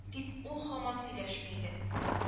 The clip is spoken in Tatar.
Тик ул һаман сөйләшми иде